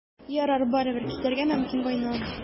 Ярар, барыбер, китәргә мөмкин, Гайнан.